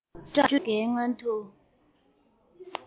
ལོ བཅུ ཕྲག འགའི སྔོན དུ